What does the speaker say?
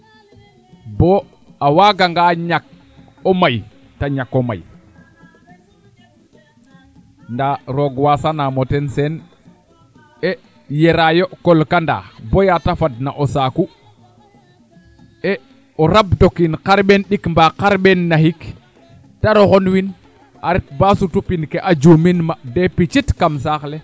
bo a waaga nga ñak o may te ñako may ndaa roog wasanamo ten sene e yera yo qol kana boya te fadna o saaku e o rabdao kiin xarmbeen ndik mba xarmbeen naxik te roxan win a ret ba sutu pin ke a juumin ma de picit kam saaxle